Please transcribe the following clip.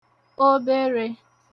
oberē